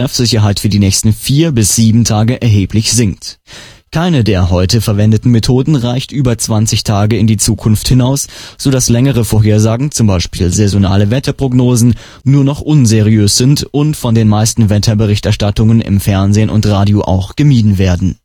Treffsicherheit für die nächsten 4 bis 7 Tage erheblich sinkt. Keine der heute verwendeten Methoden reicht über zwanzig Tage in die Zukunft hinaus, so dass längere Vorhersagen z.B. saisonale Wetterprognosen nur noch unseriös sind und von den meisten Wetterberichterstattungen im Fernsehen und Radio auch gemieden werden